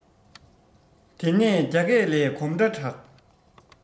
དེ ནས རྒྱ སྐས ལས གོམ སྒྲ གྲགས